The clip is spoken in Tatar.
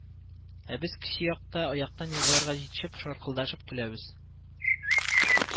Ә без, кече якта, аяктан егылырга җитешеп, шаркылдашып көләбез